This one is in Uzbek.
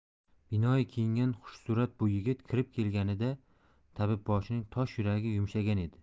binoyi kiyingan xushsurat bu yigit kirib kelganida tabibboshining tosh yuragi yumshagan edi